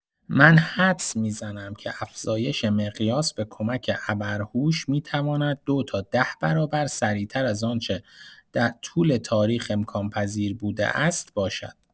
من حدس می‌زنم که افزایش مقیاس به کمک ابرهوش می‌تواند ۲ تا ۱۰ برابر سریع‌تر از آنچه در طول تاریخ امکان‌پذیر بوده است، باشد.